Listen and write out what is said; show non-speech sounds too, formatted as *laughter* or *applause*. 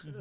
*hesitation*